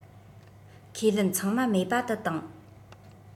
ཁས ལེན ཚང མ མེད པ དུ བཏང